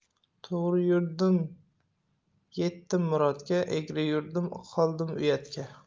to'g'ri yurdim yetdim murodga egri yurdim qoldim uyatga